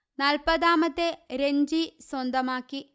നാല്പതാമത്തെ രഞ്ജി സ്വന്തമാക്കി